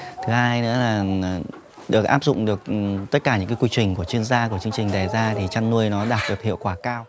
thứ hai nữa là được áp dụng được tất cả những cái quy trình của chuyên gia của chương trình đề ra thì chăn nuôi nó đạt được hiệu quả cao